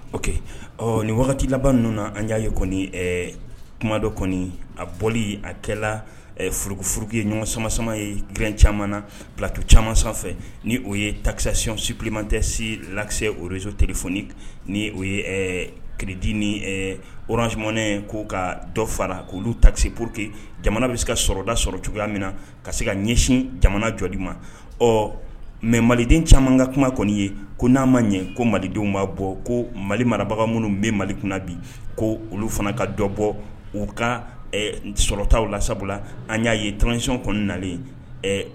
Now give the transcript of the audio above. O ɔ nin wagati laban ninnu an y'a ye kɔni kumadɔ kɔni a bɔ a kɛraf furu ye ɲɔgɔn samamasa ye kerɛn caman na ptu caman sanfɛ ni o ye takisasiy supmantesi lasezsote ni ye kidi niransimɛ ko' ka dɔ fara k' oluolu takisɛ pur que jamana bɛ se ka sɔrɔda sɔrɔ cogoya min na ka se ka ɲɛsin jamana jɔ di ma ɔ mɛ maliden caman ka kuma kɔni ye ko n'a ma ɲɛ ko malidenw b'a bɔ ko mali marabaga minnu bɛ mali kunna bi ko olu fana ka dɔ bɔ u ka sɔrɔtaw la sabula an y'a ye tanc kɔnɔna nalen